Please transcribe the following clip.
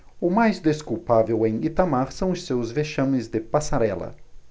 o mais desculpável em itamar são os seus vexames de passarela